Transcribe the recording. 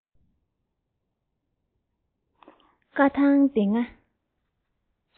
བཀའ ཐང ལྡེ ལྔ